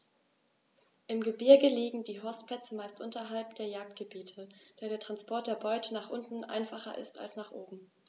Im Gebirge liegen die Horstplätze meist unterhalb der Jagdgebiete, da der Transport der Beute nach unten einfacher ist als nach oben.